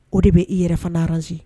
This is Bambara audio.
O de bɛ i yɛrɛ fanadaranse